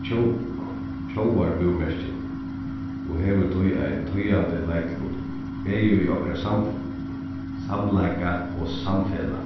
tjóðarbúmerki og hevur tí ein týðandi leiklut bæði í okara samleika og samfelag